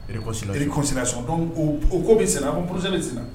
Réconciliation réconciliation donc oo b o ko be senna avant-projet be senna